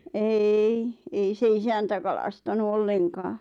ei ei se isäntä kalastanut ollenkaan